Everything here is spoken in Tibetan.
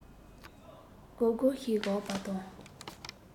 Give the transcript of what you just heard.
སྒོར སྒོར ཞིག བཞག པ དང